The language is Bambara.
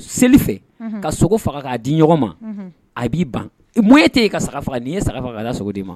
Seli fɛ ka sogo faga k'a di ɲɔgɔn ma a b'i ban tɛ ka faga n' ye faga da sogo de ma